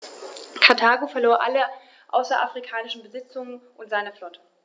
Karthago verlor alle außerafrikanischen Besitzungen und seine Flotte.